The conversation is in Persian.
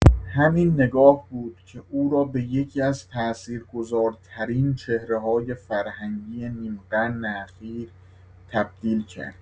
همین نگاه بود که او را به یکی‌از تأثیرگذارترین چهره‌های فرهنگی نیم‌قرن اخیر تبدیل کرد.